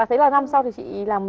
và thế là năm sau chị làm